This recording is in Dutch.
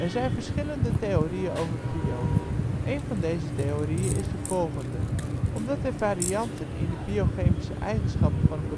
zijn verschillende theorieën over prionen. Een van deze theorieën is de volgende: Omdat er varianten in de biochemische eigenschappen van